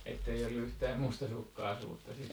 että ei ollut yhtään mustasukkaisuutta sitten